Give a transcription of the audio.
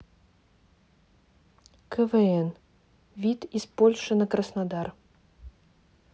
квн вид из польши на краснодар